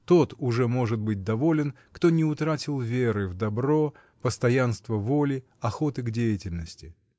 тот уже может быть доволен, кто не утратил веры в добро, постоянства воли, охоты к деятельности.